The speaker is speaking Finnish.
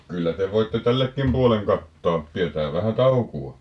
kyllä te voitte tällekin puolen kattaa pidetään vähän taukoa